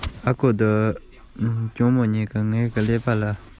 དེ ན མི མང པོ ཞིག གིས